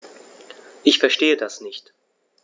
Ich verstehe das nicht.